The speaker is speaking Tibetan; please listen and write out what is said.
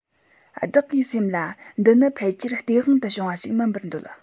བདག གིས སེམས ལ འདི ནི ཕལ ཆེར སྟེས དབང དུ བྱུང བ ཞིག མིན པར འདོད